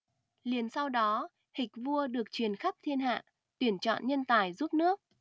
liền sau đó hịch vua được truyền khắp thiên hạ tuyển chọn nhân tài giúp nước